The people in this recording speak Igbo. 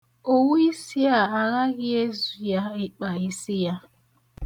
Owu isi a agaghị ezu ya ịkpa isi ya.